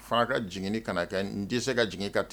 Fana ka jigin kana na kɛ n dɛsɛ se ka jigin ka tɛmɛ